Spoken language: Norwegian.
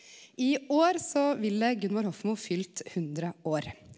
i år så ville Gunvor Hofmo fylt 100 år.